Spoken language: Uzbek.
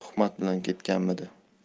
tuhmat bilan ketganmidi